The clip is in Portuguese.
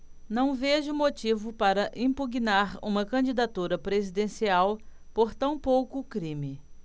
não vejo motivo para impugnar uma candidatura presidencial por tão pouco crime